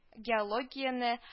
Геологиянеү